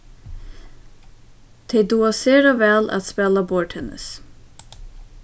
tey duga sera væl at spæla borðtennis